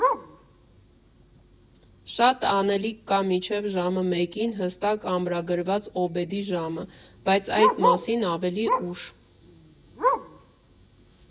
Շատ անելիք կա մինչև ժամը մեկին հստակ ամրագրված «օբեդի» ժամը, բայց այդ մասին ավելի ուշ։